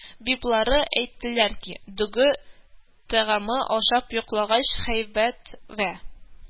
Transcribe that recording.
Библары әйттеләр ки, дөге тәгамы ашап йоклагач, һәйбәт вә